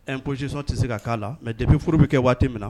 Imposition tɛ se ka k'a la mɛ depuis furu bɛ kɛ waati min na